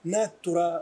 N'a tora